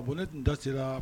Bon ne tun da sera